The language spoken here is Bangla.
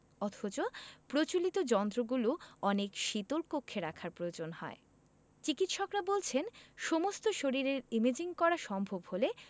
অথচ প্রচলিত যন্ত্রগুলো অনেক শীতল কক্ষে রাখার প্রয়োজন হয় চিকিত্সকরা বলছেন সমস্ত শরীরের ইমেজিং করা সম্ভব হলে